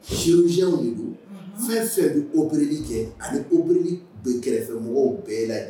Syw de don fɛn fɛn bɛ obiri cɛ ani obiri bɛ kɛrɛfɛ mɔgɔw bɛɛ la de